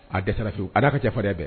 A dɛsɛra pewu, a n'a ka cɛ farinya bɛɛ